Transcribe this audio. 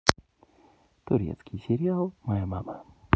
турецкий сериал моя мама